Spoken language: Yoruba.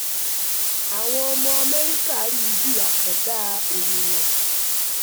Àwọn ọmọ Amẹ́ríkà rí i bí àkàndá ènìyàn.